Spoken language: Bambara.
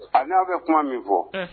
A n'aw bɛ kuma min fɔ